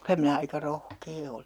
kyllä minä aika rohkea olin